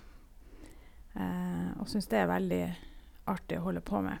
Og syns det er veldig artig å holde på med.